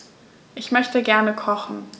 Ich möchte gerne kochen.